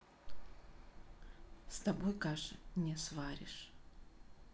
с тобой каши не сваришь